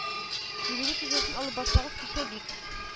Юбилей кичәсен алып барсагыз, кичә бик